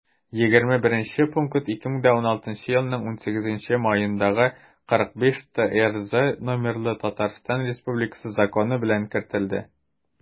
21 пункт 2016 елның 18 маендагы 45-трз номерлы татарстан республикасы законы белән кертелде